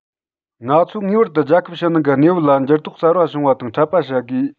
ང ཚོས ངེས པར དུ རྒྱལ ཁབ ཕྱི ནང གི གནས བབ ལ འགྱུར ལྡོག གསར པ བྱུང བ དང འཕྲོད པ བྱ དགོས